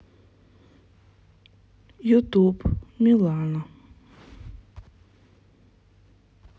ютуб милана